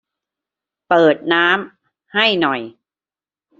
เปิดน้ำให้หน่อย